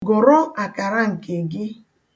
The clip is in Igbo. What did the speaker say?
Gụrụ akara nke gị.